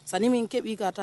Sanni min kɛ b'i ka taa